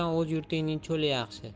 o'z yurtingning cho'li yaxshi